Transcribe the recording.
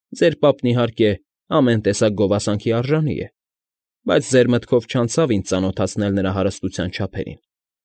Ձեր պապն, իհարկե, ամեն տեսակ գովասանքի արժանի է, բայց ձեր մտքով չանցավ ինձ ծանոթացնել նրա հարստության չափսերին։